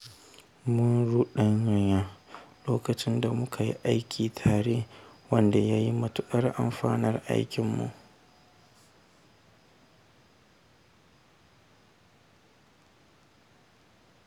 Mun ruɓanya lokutan da muka yi aiki tare, wanda ya yi matuƙar amfanar aikinmu!